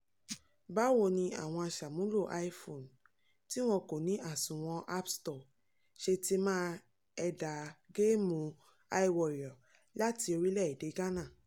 Báwo ni àwọn aṣàmúlò iPhone tí wọn kò ní àsùnwọ̀n App Store ṣe ti máa ẹ̀dà Géèmù iWarrior láti orílẹ̀-èdè Ghana?